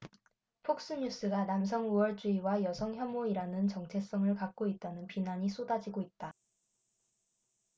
폭스뉴스가 남성우월주의와 여성혐오이라는 정체성을 갖고 있다는 비난이 쏟아지고 있다